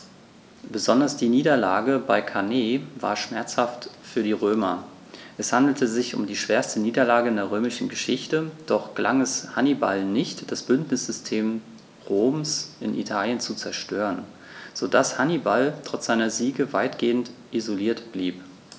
Besonders die Niederlage bei Cannae war schmerzhaft für die Römer: Es handelte sich um die schwerste Niederlage in der römischen Geschichte, doch gelang es Hannibal nicht, das Bündnissystem Roms in Italien zu zerstören, sodass Hannibal trotz seiner Siege weitgehend isoliert blieb.